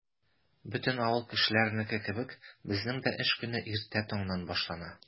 Бөтен авыл кешеләренеке кебек, безнең дә эш көне иртә таңнан башлана.